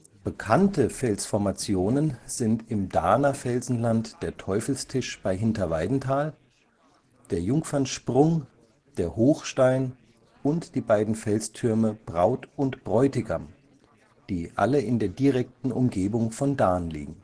Bekannte Felsformationen sind im Dahner Felsenland der Teufelstisch bei Hinterweidenthal, der Jungfernsprung, der Hochstein und die beiden Felstürme Braut und Bräutigam, die alle in der direkten Umgebung von Dahn liegen